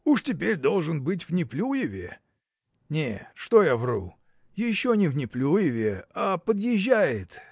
– Уж теперь должен быть в Неплюеве. Нет, что я вру? еще не в Неплюеве, а подъезжает